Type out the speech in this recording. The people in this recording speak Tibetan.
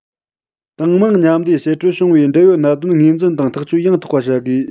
ཏང མང མཉམ ལས བྱེད ཁྲོད བྱུང བའི འབྲེལ ཡོད གནད དོན ངོས འཛིན དང ཐག གཅོད ཡང དག པ བྱ དགོས